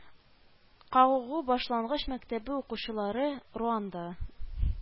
Кагугу башлангыч мәктәбе укучылары, Руанда